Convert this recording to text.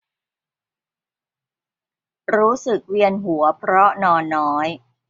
รู้สึกเวียนหัวเพราะนอนน้อย